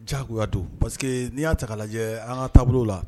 Diyagoya don parce que n'i y'a ta k'a lajɛɛ an ka taabolow la